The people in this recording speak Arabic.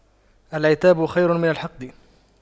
العتاب خير من الحقد